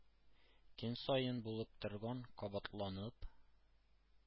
Көн саен булып торган, кабатланып